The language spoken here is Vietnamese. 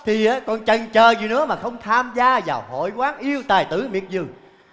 thì ớ còn chần chờ gì nữa mà không tham gia vào hội quán yêu tài tử miệt vườn